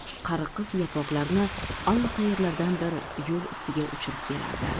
qariqiz yaproqlarini allaqayerlardandir yo'l ustiga uchirib kelardi